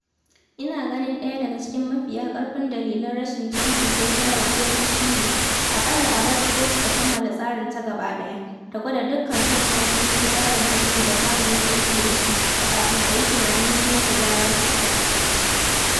Ina ganin ɗaya daga cikin mafiya ƙarfin dalilan rashin canji ko gyara komai shi ne, a ƙalla a bari kotu ta kammala tsarinta gaba ɗaya, ta gwada dukkanin sassan kundin tsarin mulki da za mu yi aiki da shi, kafin a yi tunanin yi masa gyaran fuska.